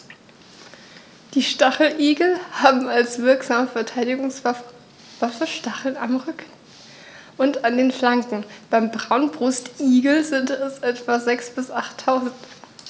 Die Stacheligel haben als wirksame Verteidigungswaffe Stacheln am Rücken und an den Flanken (beim Braunbrustigel sind es etwa sechs- bis achttausend).